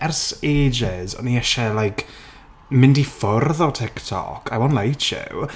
Ers ages o'n i eisiau like mynd i ffwrdd o TikTok. I won't lie to you.